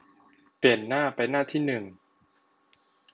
เปลี่ยนหน้าไปหน้าที่หนึ่ง